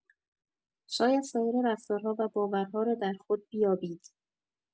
شاید سایر رفتارها و باورها را در خود بیابید.